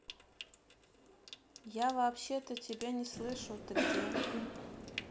я вообще то тебя не слышу ты где